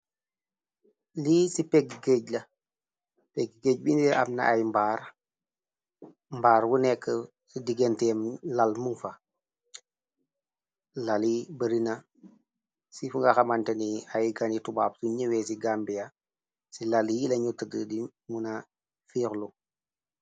Lii cii pehgg geudggh la, pehgg geudggh bii amna aiiy mbaare, mbaare wu nek cii digantem lal mung fa, lal yii barina, cii funga hamanteh neh aiiy gahnii tubab sungh njoweh cii gambia cii lal yii leh njui tedu dii munah fihhlu.